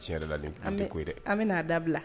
Tiɲɛ yɛrɛ la nin tɛ ko ye dɛ, an bɛ an bɛn'a dabila